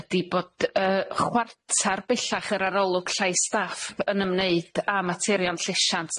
ydi bod yy chwarter bellach yr arolwg llai staff yn ymwneud â materion llesiant,